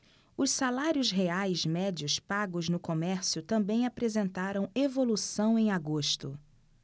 os salários reais médios pagos no comércio também apresentaram evolução em agosto